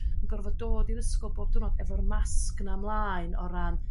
[anadl] yn gorfod dod i'r ysgol bob diwrnod efo'r masg yna mlaen o ran